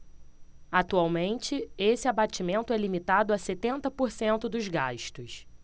atualmente esse abatimento é limitado a setenta por cento dos gastos